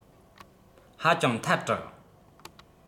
ཧ ཅང ཐལ དྲགས